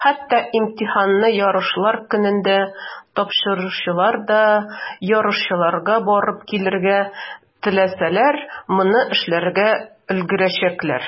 Хәтта имтиханны ярышлар көнендә тапшыручылар да, ярышларга барып килергә теләсәләр, моны эшләргә өлгерәчәкләр.